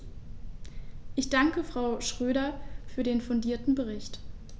Ich danke Frau Schroedter für den fundierten Bericht.